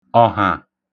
ọ̀hà